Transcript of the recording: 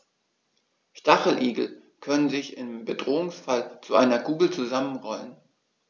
Stacheligel können sich im Bedrohungsfall zu einer Kugel zusammenrollen.